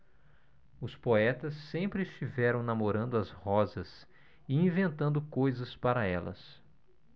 os poetas sempre estiveram namorando as rosas e inventando coisas para elas